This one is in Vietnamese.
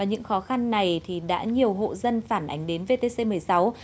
và những khó khăn này thì đã nhiều hộ dân phản ánh đến vê tê xê mười sáu